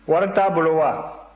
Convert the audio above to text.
wari t'a bolo wa